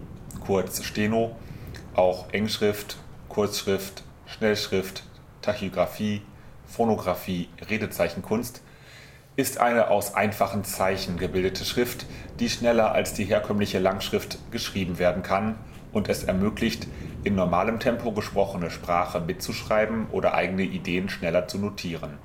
kurz Steno, auch Engschrift, Kurzschrift, Schnellschrift, Tachygraphie, Phonographie, Redezeichenkunst) ist eine aus einfachen Zeichen gebildete Schrift, die schneller als die herkömmliche " Langschrift " geschrieben werden kann und es ermöglicht, in normalem Tempo gesprochene Sprache mitzuschreiben oder eigene Ideen schneller zu notieren